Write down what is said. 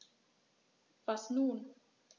Was nun?